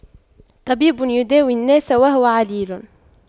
طبيب يداوي الناس وهو عليل